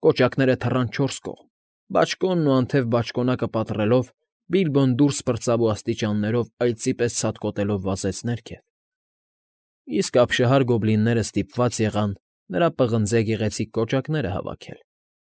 Կոճակները թռան չորս կողմ, բաճկոնն ու անթև բաճկոնակը պատռելով՝ Բիլոբն դուրս պրծավ ու աստիճաններով այծի պես ցատկոտելով վազեց ներքև, իսկ ապշահար գոբլիններն ստիպված եղան նրա պղնձե գեղեցիկ կոճակները հավաքել։